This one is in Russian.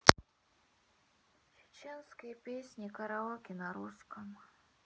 чеченские песни караоке на русском